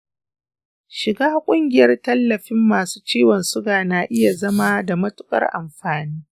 shiga ƙungiyar tallafin masu ciwon suga na iya zama da matuƙar amfani.